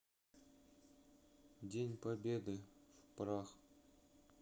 день победы в прах